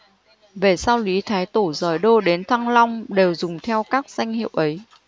về sau lý thái tổ dời đô đến thăng long đều dùng theo các danh hiệu ấy